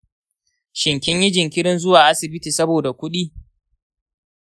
shin kinyi jinkirin zuwa asibiti saboda kudi?